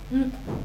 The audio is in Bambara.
Un